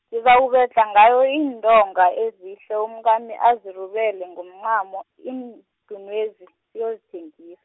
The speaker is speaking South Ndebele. ngizakubedlha ngawo iintonga ezihle umkami azirubele ngomncamo, iindunwezi siyozithengis-.